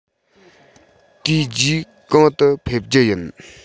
དེ རྗེས གང དུ ཕེབས རྒྱུ ཡིན